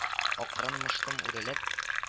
Акрын-мыштым үрелеп